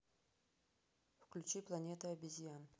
включи планета обезьян